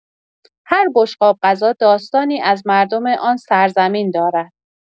هر بشقاب غذا داستانی از مردم آن سرزمین دارد؛